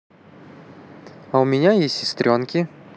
а у меня есть сестренки